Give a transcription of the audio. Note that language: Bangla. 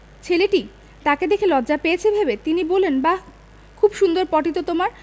ছেলেটি তাকে দেখে লজ্জা পেয়েছে ভেবে তিনি বললেন বাহ খুব সুন্দর পটি তো তোমার